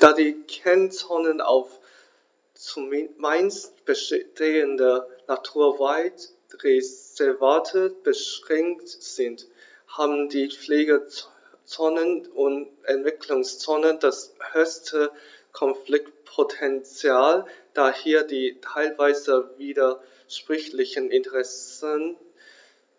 Da die Kernzonen auf – zumeist bestehende – Naturwaldreservate beschränkt sind, haben die Pflegezonen und Entwicklungszonen das höchste Konfliktpotential, da hier die teilweise widersprüchlichen Interessen